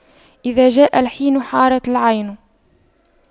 إذا جاء الحين حارت العين